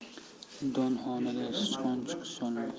donxonada sichqon chiqisholmas